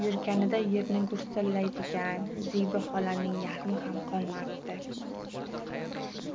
yurganida yer gursillaydigan zebi xolaning yarmiham qolmabdi